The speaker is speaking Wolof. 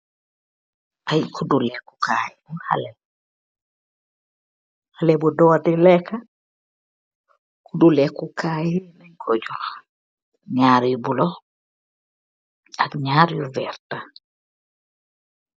Iiiy kudu lehku kaii bu haleh, haleh bu dorrr di leka, kudu lehku kaii len kor jokh njarr yu bleu ak njarr yu vertah.